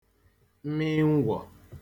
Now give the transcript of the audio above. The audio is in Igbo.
mmịngwọ̀